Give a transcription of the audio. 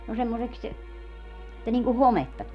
no semmoiseksi että niin kuin hometta tulee